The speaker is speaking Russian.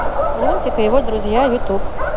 лунтик и его друзья ютуб